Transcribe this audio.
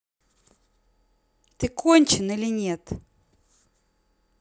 ты кончен или нет